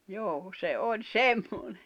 joo se oli semmoinen